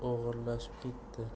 juda og'irlashib ketdi